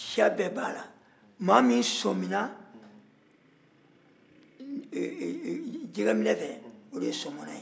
siya bɛɛ b'a la maa min sɔminna jɛgɛminɛ fɛ o de ye sɔmɔnɔ ye